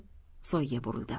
soyga burildim